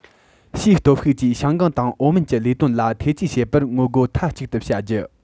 ཕྱིའི སྟོབས ཤུགས ཀྱིས ཞང ཀང དང ཨའོ མོན གྱི ལས དོན ལ ཐེ ཇུས བྱེད པར ངོ རྒོལ མཐའ གཅིག ཏུ བྱ རྒྱུ